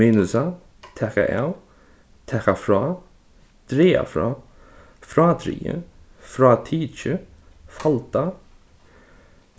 minusa taka av taka frá draga frá frádrigið frátikið falda